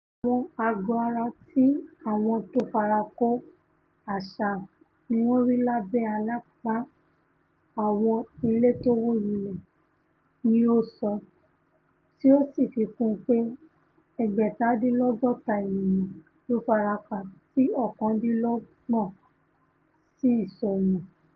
Àwọn àgọ́-ara ti àwọn tó farakó-áásá niwọ́n rí lábẹ́ àlàpà àwọn ilé tówó lulẹ̀, ní ó sọ, tí ó sì fi kún un pé ẹgbẹ̀tadínlọ́gọ́tá ènìyàn ló farapa tí ọ̀kaǹdińlọ́gbọ̀n sì ṣọnù.